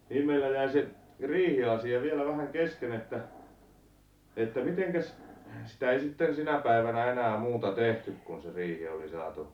niin meillä jäi se riihiasia vielä vähän kesken että että mitenkäs sitä ei sitten sinä päivänä enää muuta tehty kun se riihi oli saatu